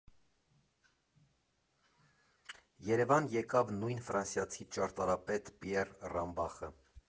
Երևան եկավ նույն ֆրանսիացի ճարտարապետ Պիեռ Ռամբախը։